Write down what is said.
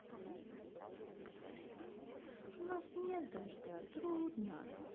у нас нет дождя трудно